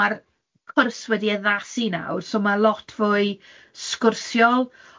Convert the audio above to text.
ma'r cwrs wedi addasu nawr, so ma' lot fwy sgwrsiol.